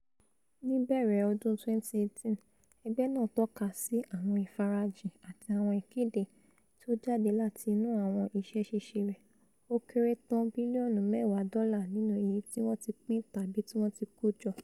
Ní ìbẹ̀rẹ̀ ọdún 2018, ẹgbẹ́ náà tọ́kasí àwọn ìfarajin àti àwọn ìkéde tí ó jáde láti inu àwọn iṣẹ́ ṣíṣe rẹ̀, ó kéré tán bílíọ̀nù mẹ́wàá dọ́là nínú èyití wọ́n ti pín tàbí tíwọn ti kójọ.